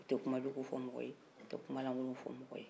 u tɛ kumajugu fɔ mɔgɔ ye u tɛ kumalankolon fɔ mɔgɔ ye